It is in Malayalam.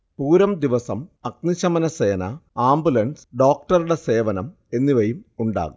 പൂരം ദിവസം അഗ്നിശമനസേന, ആംബുലൻസ്, ഡോക്ടറുടെ സേവനം എന്നിവയും ഉണ്ടാകും